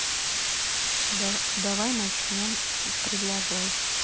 давай начнем предлагай